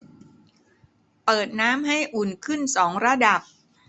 เปิดน้ำให้อุ่นขึ้นสองระดับ